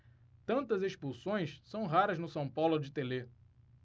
tantas expulsões são raras no são paulo de telê